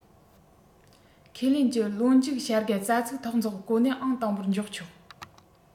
ཁས ལེན གྱི ལོ མཇུག བྱ དགའ རྩ ཚིག ཐོག འཛེགས གོ གནས ཨང དང པོར འཇོག ཆོག